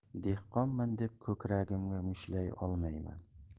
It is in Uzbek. dehqonman deb ko'kragimga mushtlay olmayman